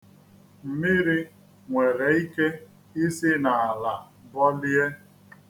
Mmiri nwere ike isi n'ala bọlie.